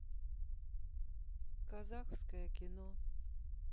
казахское кино